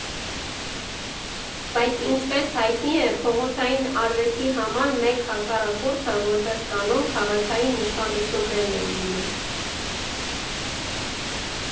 Բայց, ինչպես հայտնի է, փողոցային արվեստի համար մեկ հակառակորդը, որպես կանոն, քաղաքային իշխանություններն են լինում։